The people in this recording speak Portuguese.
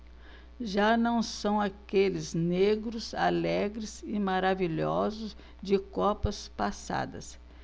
já não são aqueles negros alegres e maravilhosos de copas passadas